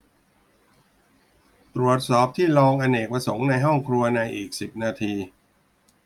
ตรวจสอบที่รองอเนกประสงค์ในห้องครัวในอีกสิบนาที